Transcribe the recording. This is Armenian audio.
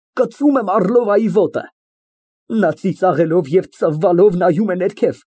Կծում եմ Առլովայի ոտը։ Նա ծիծաղելով ու ծվվալով, նայում է ներքև։